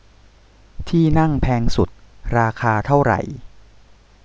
ที่นั่งแพงสุดราคาเท่าไหร่